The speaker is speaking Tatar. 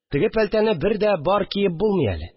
Теге пәлтәне бер дә бар киеп булмый әле